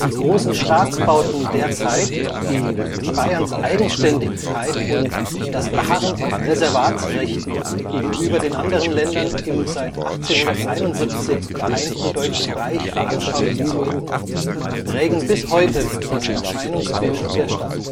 großen Staatsbauten der Zeit, die „ Bayerns Eigenständigkeit “und „ das Beharren auf Reservatsrechten “gegenüber den anderen Ländern im seit 1871 geeinten Deutschen Reich veranschaulichen sollten, prägen bis heute das Erscheinungsbild der Stadt